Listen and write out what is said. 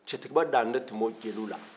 cɛtigiba dantɛ tun b'o jeliw la